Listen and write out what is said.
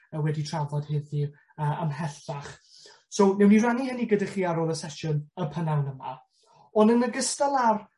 yy wedi trafod heddi yy ymhellach. So newn ni rannu hynny gyda chi ar ôl y sesiwn y prynawn yma. On' yn ogystal â'r